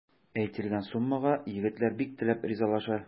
Әйтелгән суммага егетләр бик теләп ризалаша.